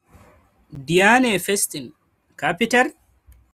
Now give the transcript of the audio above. Dianne Feinstein, ka fitar?